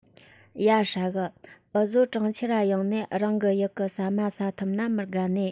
ཡ ཧྲ གི ངུ བཟོ གྲོང ཁྱེར ར ཡོང ངས རང གི ཡུལ གི ཟ མ ཟ ཐུབ ན མི དགའ ནིས